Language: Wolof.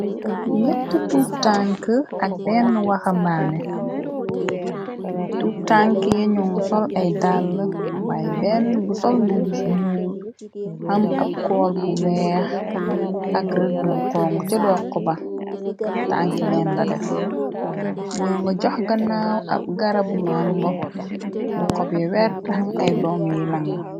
ñett tutank ak benn waxambaane tutank yaño nga sol ay dàll waaye benn bu sol bu busu nuul xam ab kool bu weex ak rëdd bu xongo ca dokk ba tanki neen la def ñoo nga jox ganaaw ab gara bu màngo bu xob ye wert xam ay doom yiy lang.